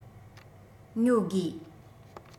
ཉོ དགོས